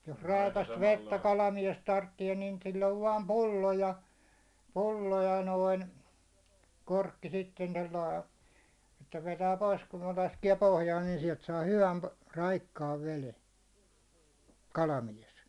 jos raikasta vettä kalamies tarvitsee niin sillä on vain pullo ja pullo ja noin korkki sitten tuolla lailla että vetää pois kun ne laskee pohjaan niin sieltä saa hyvän raikkaan veden kalamies